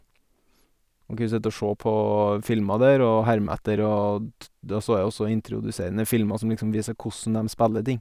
Og en kan sitte å sjå på filmer der og herme etter og t det også er også introduserende filmer som liksom viser kossen dem spiller ting.